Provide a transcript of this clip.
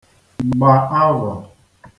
gba avọ̀